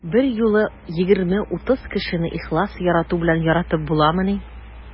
Берьюлы 20-30 кешене ихлас ярату белән яратып буламыни?